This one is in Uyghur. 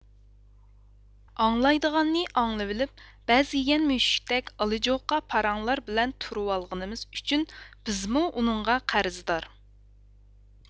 ئاڭلايدىغاننى ئاڭلىۋېلىپ بەز يېگەن مۈشۈكتەك ئالىجوقا پاراڭلار بىلەن تۇرۇۋالغىنىمىز ئۈچۈن بىزمۇ ئۇنىڭغا قەرزدار